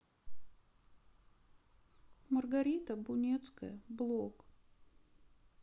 маргарита бунецкая блог